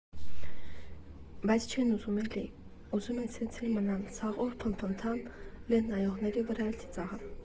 Բայց չեն ուզում էլի, ուզում են սենց էլ մնան, սաղ օր փնթփնթան, լեն նայողների վրա էլ ծիծաղան։